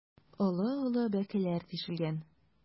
Олы-олы бәкеләр тишелгән.